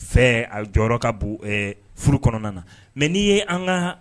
Fɛɛ, a Jɔyɔrɔ ka bon furu kɔnɔna na mais n'i y 'an ka